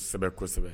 Kosɛbɛ kosɛbɛ